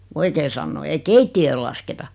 kun oikein sanoo ei keittiötä lasketa